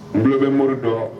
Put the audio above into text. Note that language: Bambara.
N bɛ mori dɔn